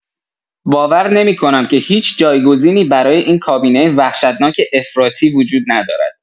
باور نمی‌کنم که هیچ جایگزینی برای این کابینه وحشتناک افراطی وجود ندارد.